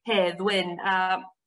Hedd Wyn a